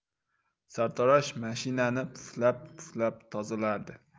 sartarosh mashinani puflab puflab tozalardi